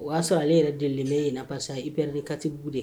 O y'a sɔrɔ ale yɛrɛ demɛ in na parce que i yɛrɛ katibugu de